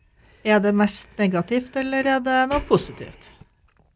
er det mest negativt eller er det noe positivt?